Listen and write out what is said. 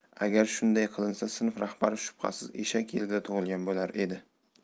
agar shunday qilinsa sinf rahbari shubhasiz eshak yilida tug'ilgan bo'lar edi